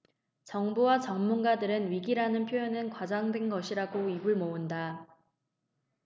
정부와 전문가들은 위기라는 표현은 과장된 것이라고 입을 모은다